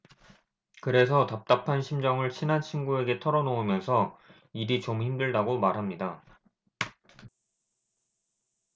그래서 답답한 심정을 친한 친구에게 털어놓으면서 일이 좀 힘들다고 말합니다